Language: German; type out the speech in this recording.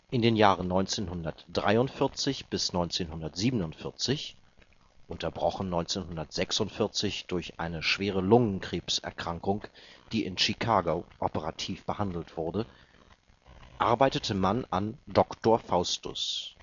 In den Jahren 1943 bis 1947 – unterbrochen 1946 durch eine schwere Lungenkrebserkrankung, die in Chicago operativ behandelt wurde – arbeitete Mann an Doktor Faustus